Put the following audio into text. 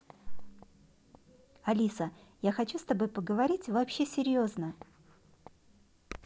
алиса я хочу с тобой поговорить вообще серьезно